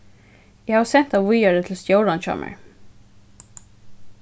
eg havi sent tað víðari til stjóran hjá mær